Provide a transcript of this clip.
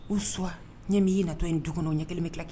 U s ɲɛ min'i natɔ in du kɔnɔ ɲɛ kelen min tila kɛ